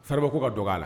Sariba ko ka dɔ k'a la.